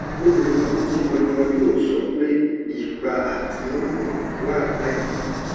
Nítorínáâ níbo ni wọn yóò sọ pé ipá-atini náà wà báyìí?